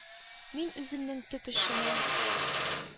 Мин үземнең төп эшемә,